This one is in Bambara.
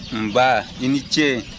nba i ni ce